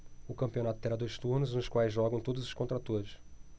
o campeonato terá dois turnos nos quais jogam todos contra todos